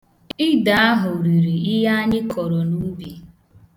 Ide ahụ riri ihe anyị kọrọ n'ubi.